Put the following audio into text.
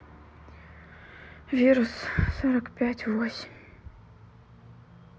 вирус сорок пять восемь